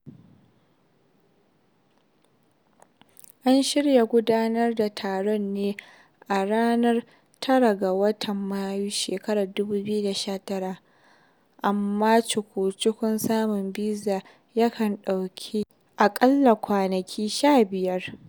An shirya gudanar da taron ne a ranar 9 ga watan Mayu, 2019, amma cuku-cukun samun biza ya kan ɗauki a ƙalla kwanaki 15.